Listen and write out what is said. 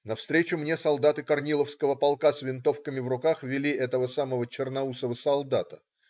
Навстречу мне солдаты Корниловского полка с винтовками в руках вели этого самого черноусого солдата.